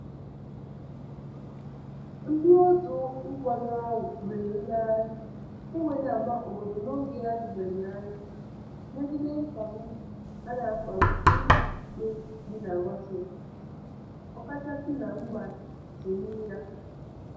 Ndị òtù nkwado ahụ mere ngagharị iwe n'ámá obodo n'oge n'adịbeghị anya megide mkpagbu a na-akpagbu ndị susupe bi na Russịa, ọkachasị na mba Chechnya